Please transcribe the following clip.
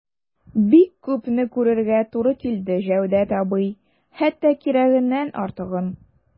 Бик күпне күрергә туры килде, Җәүдәт абый, хәтта кирәгеннән артыгын...